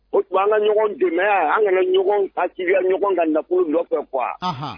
O an ka ɲɔgɔn dɛmɛ an ka ɲɔgɔn ka ka ɲɔgɔn ka nafolo nɔfɛ qu